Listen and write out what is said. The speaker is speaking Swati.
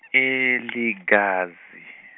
eLekazi.